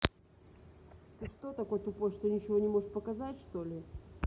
ты что такой тупой что ничего не можешь показать что ли